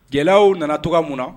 Gɛlɛyaw nana cogoya min na